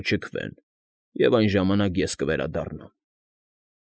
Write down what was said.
Կչքվեն, և այն ժամանակ ես կվերադառնամ»։